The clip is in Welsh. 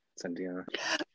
Sa i'n deall.